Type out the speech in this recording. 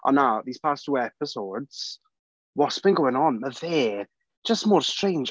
Ond na, these past two episodes, what's been going on? Mae fe just mor strange.